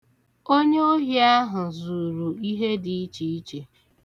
Onye ohi ahụ zuuru ihe dị ichiiche.